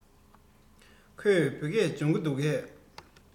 ཁོས བོད སྐད སྦྱོང གི འདུག གས